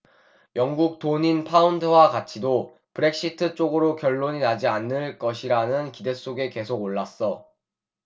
영국 돈인 파운드화 가치도 브렉시트 쪽으로 결론이 나지 않는 것이라는 기대 속에 계속 올랐어